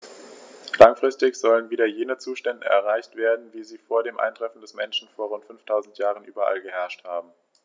Langfristig sollen wieder jene Zustände erreicht werden, wie sie vor dem Eintreffen des Menschen vor rund 5000 Jahren überall geherrscht haben.